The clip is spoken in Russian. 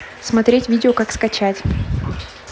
смотреть видео как скачать